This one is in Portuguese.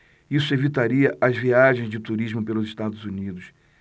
isso evitaria as viagens de turismo pelos estados unidos